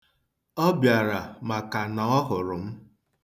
O ̣bịara maka na ọ hụrụ m.